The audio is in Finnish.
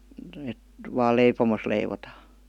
että vain leipomossa leivotaan